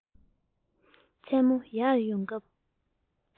མཚན མོ ཡར འོང སྐབས